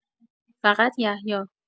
فقط یحیی